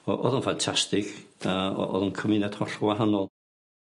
o- o'dd o'n ffantastig a o- o'dd yn cymuned holl wahanol.